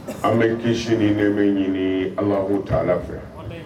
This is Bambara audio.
An bɛ kisi nɛma ɲini Allahou ta Alaa fɛ. Walahi.